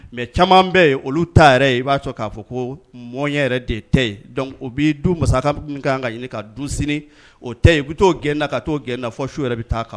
Mɛ caman bɛ yen olu ta yɛrɛ i b'a sɔrɔ k'a fɔ ko mɔn yɛrɛ de tɛ o bɛ du masa kan ka ɲini ka dun sini o tɛ yen u bɛ t'o gna ka' o gna fɔ su yɛrɛ bɛ taa kan